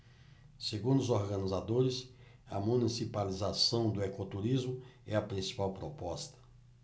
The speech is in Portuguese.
segundo os organizadores a municipalização do ecoturismo é a principal proposta